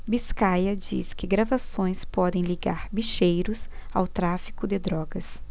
biscaia diz que gravações podem ligar bicheiros ao tráfico de drogas